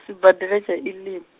sibadela tsha Elim.